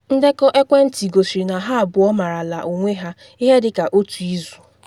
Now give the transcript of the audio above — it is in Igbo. Ndekọ ekwentị gosiri na ha abụọ marala onwe ha ihe dị ka otu izu.